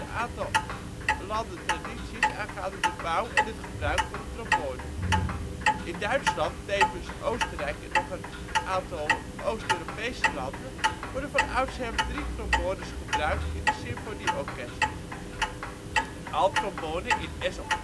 aantal landen tradities aangaande de bouw en het gebruik van de trombone. In Duitsland (tevens Oostenrijk en nog een aantal Oost-Europese landen) worden van oudsher drie trombones gebruikt in de symfonieorkesten. Een alttrombone (in Es of